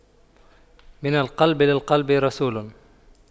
من القلب للقلب رسول